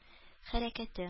Хәрәкәте